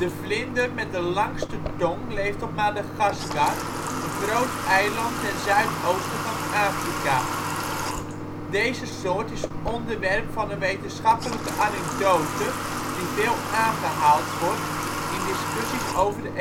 vlinder met de langste ' tong ' leeft op Madagaskar, een groot eiland ten zuidoosten van Afrika. Deze soort is onderwerp van een wetenschappelijke anekdote die veel aangehaald wordt in discussies over de evolutietheorie